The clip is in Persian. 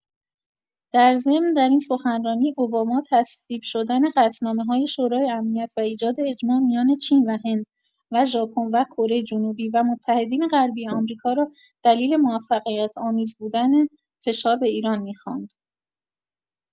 در ضمن، در این سخنرانی، اوباما تصویب شدن قطعنامه‌های شورای امنیت و ایجاد اجماع میان چین و هند و ژاپن و کره‌جنوبی و متحدین غربی آمریکا را دلیل موفقیت‌آمیز بودن فشار به ایران می‌خواند!